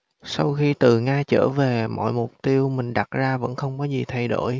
sau khi từ nga trở về mọi mục tiêu mình đặt ra vẫn không có gì thay đổi